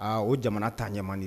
Aa o jamana ta ɲamani